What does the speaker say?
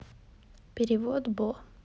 перевод бо